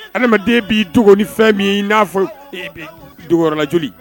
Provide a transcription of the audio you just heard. Adamaden bɛ dogoni fɛn min i n'a fɔ dugulajli